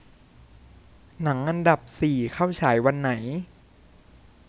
หนังอันดับสี่เข้าฉายวันไหน